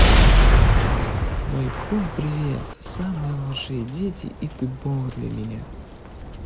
мой комп привет самые лучшие дети и ты бог для меня